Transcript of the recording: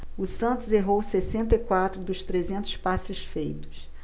o santos errou sessenta e quatro dos trezentos passes feitos